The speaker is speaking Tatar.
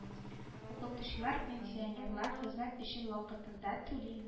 Укытучылар пенсионерлар хезмәт өчен вакытында түли